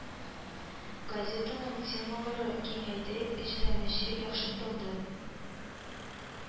Газетаның темалары киңәйде, эшләнеше яхшыртылды